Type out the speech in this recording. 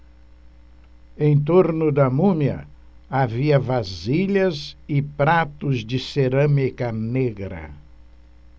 em torno da múmia havia vasilhas e pratos de cerâmica negra